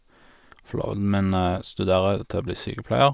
Forloveden min studerer til å bli sykepleier.